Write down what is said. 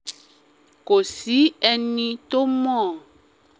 Kò sí ẹni tó mọ̀.